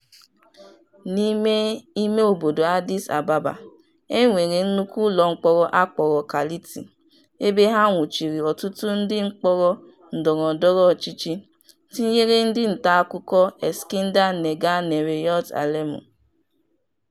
N'ime imeobodo Addis Ababa, e nwere nnukwu ụlọmkpọrọ a kpọrọ Kality ebe ha nwụchiri ọtụtụ ndị mkpọrọ ndọrọndọrọ ọchịchị, tinyere ndị ntaakụkọ Eskinder Nega na Reeyot Alemu.